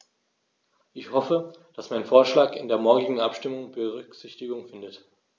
Ich hoffe, dass mein Vorschlag in der morgigen Abstimmung Berücksichtigung findet.